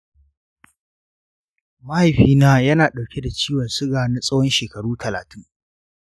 mahaifina ya na ɗauke da ciwon suga na tsawon shekaru talatin.